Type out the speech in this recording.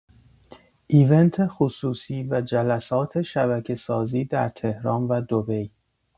ایونت خصوصی و جلسات شبکه‌سازی در تهران و دبی